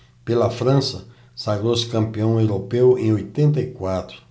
pela frança sagrou-se campeão europeu em oitenta e quatro